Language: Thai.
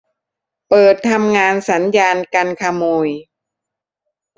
เปิดทำงานสัญญาณกันขโมย